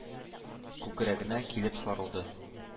Күкрәгенә килеп сарылды.—